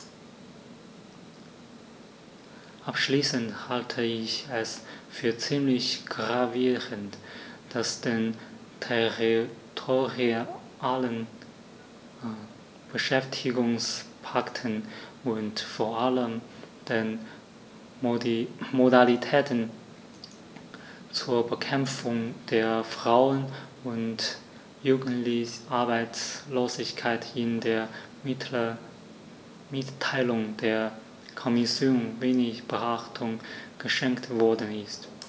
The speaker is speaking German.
Abschließend halte ich es für ziemlich gravierend, dass den territorialen Beschäftigungspakten und vor allem den Modalitäten zur Bekämpfung der Frauen- und Jugendarbeitslosigkeit in der Mitteilung der Kommission wenig Beachtung geschenkt worden ist.